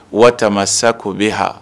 Waati sa k koo bɛ h